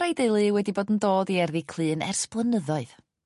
...a'i deulu wedi bod yn dod i erddi Clun ers blynyddoedd.